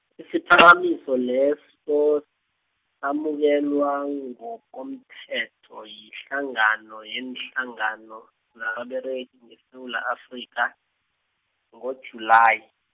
isiphakamiso leso, samukelwa ngokomthetho yihlangano yeenhlangano, zababeregi, ngeSewula Afrika, ngoJulayi.